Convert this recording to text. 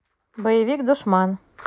боевик душман